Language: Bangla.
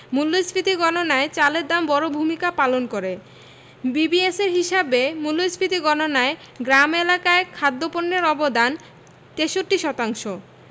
মূল্যস্ফীতি গণনায় চালের দাম বড় ভূমিকা পালন করে বিবিএসের হিসাবে মূল্যস্ফীতি গণনায় গ্রাম এলাকায় খাদ্যপণ্যের অবদান ৬৩ শতাংশ